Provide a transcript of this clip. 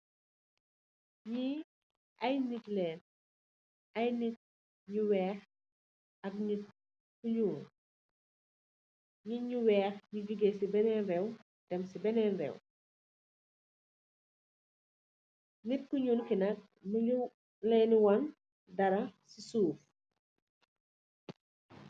Njee aiiy nitt len, aiiy nitt nju wekh ak nitt yu njull, nitt nyu wekh nju johgeh cii benen reww dem cii benen reww, nitt ku njull kii nak mungy lehnn won dara cii suff.